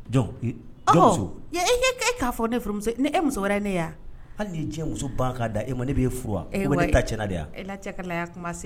Dɔnku e e k'a fɔ ne e muso wɛrɛ ne yan hali'i jɛ muso ban ka da e ma ne bɛ e furu wa e ne da ca de yan e